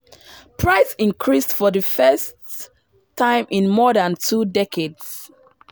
Price increased for the first time in more than two decades.